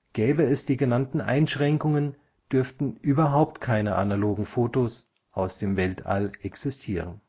Gäbe es die genannten Einschränkungen, dürften überhaupt keine analogen Fotos aus dem Weltall existieren